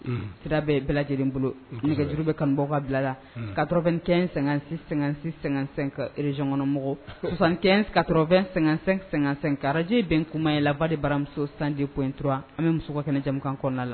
Sira bɛ bɛɛ lajɛlenlen bolo nɛgɛjuru bɛ ka bɔbila la karɔ2 kɛ---sɛsɛn karezykɔnɔɔnmɔgɔw ka2--sɛnkarajjɛ bɛn kumay laba de baramuso san de ko intu an bɛ muso kɛnɛja kɔnɔna la